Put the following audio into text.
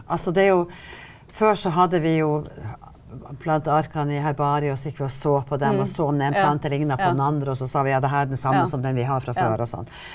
altså det er jo før så hadde vi jo plantearkene i herbariet og så gikk vi og så på dem og så om en plante ligna på den andre og så sa vi ja, det her den samme som den vi har fra før og sånn.